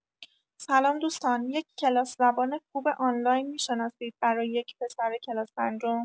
سلام دوستان یک کلاس زبان خوب آنلاین می‌شناسید برا یک پسر کلاس پنجم؟